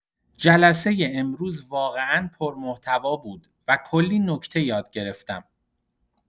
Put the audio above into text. جلسۀ امروز واقعا پرمحتوا بود و کلی نکته یاد گرفتم.